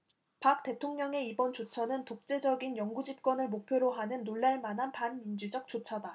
박 대통령의 이번 조처는 독재적인 영구집권을 목표로 하는 놀랄 만한 반민주적 조처다